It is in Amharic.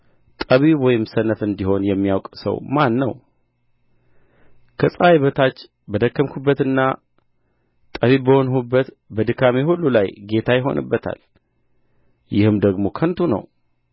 ጠቢብ ወይም ሰነፍ እንዲሆን የሚያውቅ ሰው ማን ነው ከፀሐይ በታች በደከምሁበትና ጠቢብ በሆንሁበት በድካሜ ሁሉ ላይ ጌታ ይሆንበታል ይህም ደግሞ ከንቱ ነው